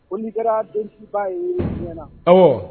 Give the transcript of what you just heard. Ko kɛra denba ye na aw